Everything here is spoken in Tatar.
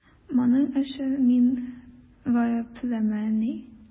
Моның өчен мин гаеплемени?